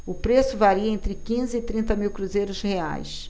o preço varia entre quinze e trinta mil cruzeiros reais